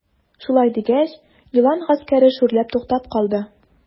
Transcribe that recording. Шулай дигәч, елан гаскәре шүрләп туктап калды.